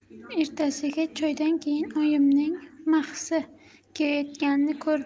ertasiga choydan keyin oyimning mahsi kiyayotganini ko'rib